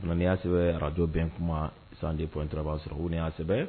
I y'a sɛbɛnbɛ araj bɛn kuma sanpura b'a sɔrɔ u ni y'a kosɛbɛ